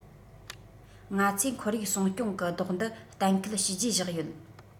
ང ཚོས ཁོར ཡུག སྲུང སྐྱོང གི རྡོག འདི གཏན འཁེལ བྱས རྗེས བཞག ཡོད